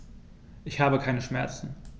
Ich habe keine Schmerzen.